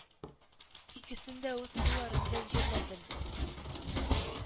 Икесен дә үз кулларым белән җирләдем